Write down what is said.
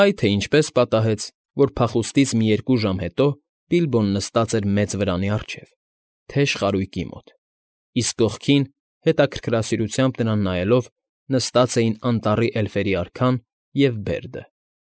Այ թե ինչպես պատահեց, որ փախուստից մի երկու ժամ հետո Բիլբոն նստած էր մեծ վրանի առջև, թեժ խարույկի մոտ, իսկ կողքին, հետաքրքրասիրությամբ նրան նայելով, նստած էին անտառի էլֆերի արքան և Բերդը։